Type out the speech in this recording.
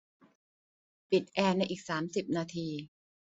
ปิดแอร์ในอีกสามสิบนาที